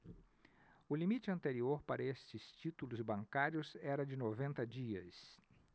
o limite anterior para estes títulos bancários era de noventa dias